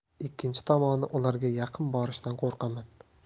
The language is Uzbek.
ikkinchi tomoni ularga yaqin borishdan qo'rqaman